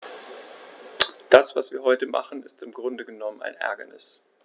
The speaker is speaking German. Das, was wir heute machen, ist im Grunde genommen ein Ärgernis.